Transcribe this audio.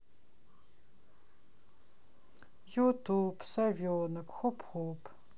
ютуб совенок хоп хоп